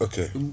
ok